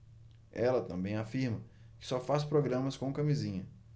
ela também afirma que só faz programas com camisinha